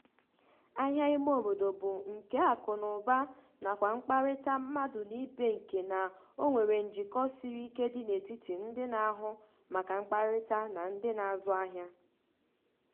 Ahịa ime obodo bụ nke akụnaụba nakwa mkparịta mmadụ na ibe nke na o nwere njikọ siri ike dị na-etiti ndị na-ahụ maka mkparịta na ndị na-azụ ahịa.